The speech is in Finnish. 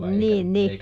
niin niin